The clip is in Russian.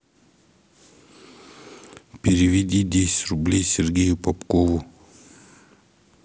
переведи десять рублей сергею попкову